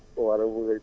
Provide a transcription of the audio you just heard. waaw dama bëgg a